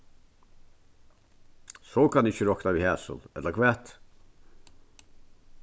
so eg kann ikki rokna við hasum ella hvat